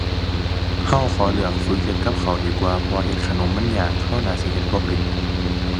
เราขอเลือกฝึกเฮ็ดกับข้าวดีกว่า เพราะว่าเฮ็ดขนมมันยาก เราน่าสิเฮ็ดบ่เป็น